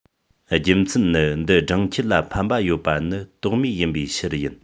རྒྱུ མཚན ནི འདི སྦྲང ཁྱུ ལ ཕན པ ཡོད པ ནི དོགས མེད ཡིན པའི ཕྱིར ཡིན